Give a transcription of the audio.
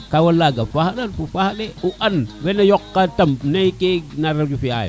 kawa laga faax a fo faax e o an wena yoqa kam nede nara no fiya yo